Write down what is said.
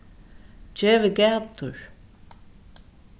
gevið gætur